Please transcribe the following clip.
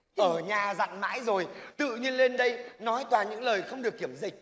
ở nhà dặn mãi rồi tự dưng lên đây nói toàn những lời không được kiểm dịch